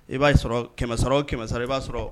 I b'a sɔrɔ kɛmɛ kɛmɛ sɔrɔ i b'a sɔrɔ